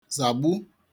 zàgbu